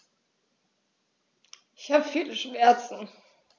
Ich habe viele Schmerzen.